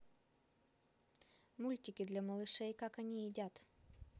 мультики для малышей как они едят